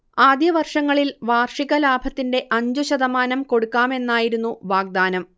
ആദ്യവർഷങ്ങളിൽ വാർഷിക ലാഭത്തിന്റെ അഞ്ചു ശതമാനം കൊടുക്കാമെന്നായിരുന്നു വാഗ്ദാനം